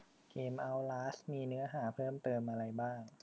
เกมเอ้าลาสมีเนื้อหาเพิ่มเติมอะไรบ้าง